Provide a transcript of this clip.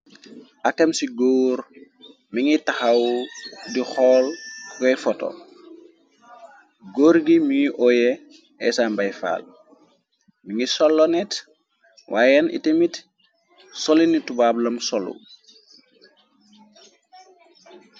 Akam ci góor mi ngiy taxaw di xool kokoy foto góor gi muy oyé esambayfaal mi ngi sollo net waayen itémit soli nitubaablam solu.